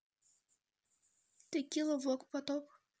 текила влог потоп